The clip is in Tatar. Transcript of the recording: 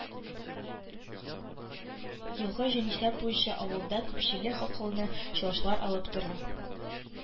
Елгы җанисәп буенча авылда күпчелек халыкны чуашлар алып тора